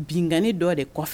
Binnen dɔ de kɔfɛ